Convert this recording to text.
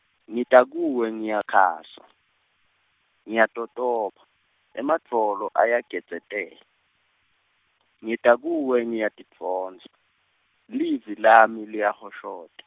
ngita kuwe ngiyakhasa, Ngiyatotoba, emadvolo ayagedzetela , ngita kuwe ngiyatidvonsa, livi lami liyahoshota.